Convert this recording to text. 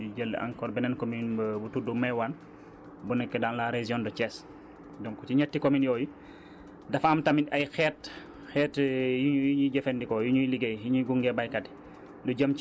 ñu jël encore beneen commune bu tudd Mewane bu nekk dans la région de Thiès donc ci ñetti communes yooyu dafa am tamit ay xeet xeet yu ñuy jëfandikoo yu ñuy liggéeyee yu ñuy gungee baykat yi